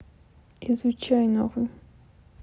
изучай нахуй